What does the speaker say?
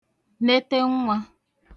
nete nwā